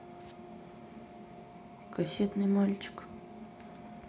кассетный мальчик